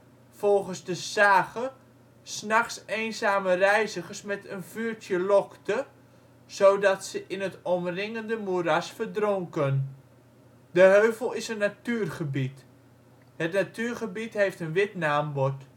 volgens de sage, ' s nachts eenzame reizigers met een vuurtje lokte, zodat ze in het omringende moeras verdronken. De heuvel is een natuurgebied. Het natuurgebied heeft een wit naambord